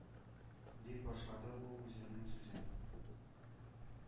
— дип башлады ул үзенең сүзен